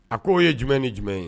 A ko' o ye jumɛn ni jumɛn ye